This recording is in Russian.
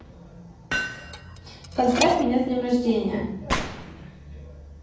поздравь меня с днем рождения